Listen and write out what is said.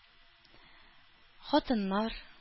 Хатыннар